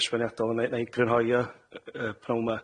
hunan esbaniadol wna i wna i grynhoi o yy yy p'nawn ma'